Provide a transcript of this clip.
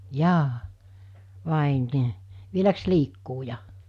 jaa vai niin vieläkö liikkuu ja